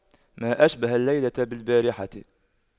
ما أشبه الليلة بالبارحة